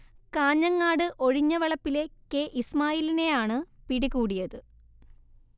കാഞ്ഞങ്ങാട് ഒഴിഞ്ഞവളപ്പിലെ കെ ഇസ്മായിലിനെ യാണ് പിടികൂടിയത്